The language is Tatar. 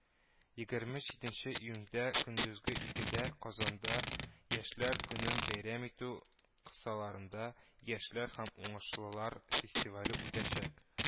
Егерме жиденче июньдә көндезге икедә, Казанда Яшьләр көнен бәйрәм итү кысаларында, “Яшьләр һәм уңышлылар” фестивале үтәчәк